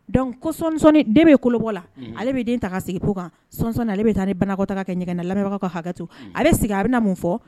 Don ko son den bɛ kolobɔ la ale bɛ ta sigi kan son ale bɛ taa ni banakɔta kɛ ɲɛ na lamɛnbagaw ka hakɛtu a bɛ sigi a bɛ na mun fɔ